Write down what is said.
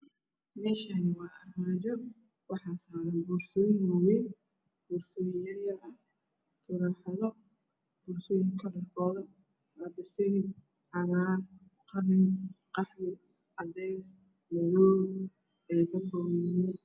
Meeshaan waa armaajo waxaa saaran boorsooyin waa wayn boor sooyin yar yar ah turaaxado. boorsooyin ka kalarkooda waa basali, waa cagaar, qalin, qaxwi, cadays madow ay ka kooban yihiin